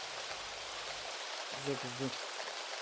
jack zu